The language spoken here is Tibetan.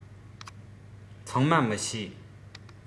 ཚང མ མི ཤེས